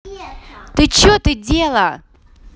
ты че ты дела